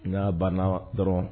N ka banna dɔrɔn